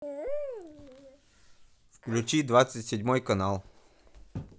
включи двадцать седьмой канал